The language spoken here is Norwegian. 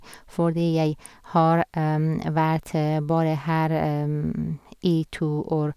Fordi jeg har vært bare her i to år.